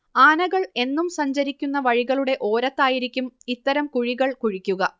ആനകൾ എന്നും സഞ്ചരിക്കുന്ന വഴികളുടെ ഓരത്തായിരിക്കും ഇത്തരം കുഴികൾ കുഴിക്കുക